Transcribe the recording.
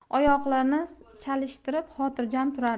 oyoqlarini chalishtirib xotirjam turardi